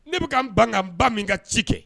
Ne bɛka ka n banba min ka ci kɛ